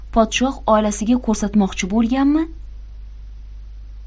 podshoh oilasiga ko'rsatmoqchi bo'lganmi